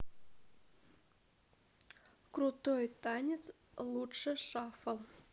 крутой танец лучшее шафл